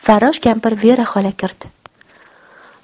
farrosh kampir vera xola kirdi